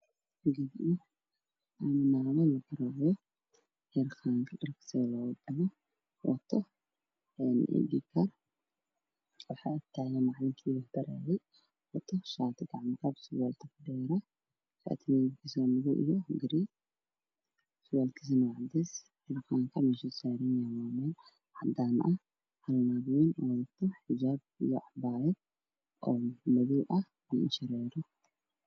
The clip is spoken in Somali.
Meshaan waxaa taagan macalimiin ku waas oo wato buugaag